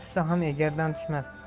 tushsa ham egardan tushmas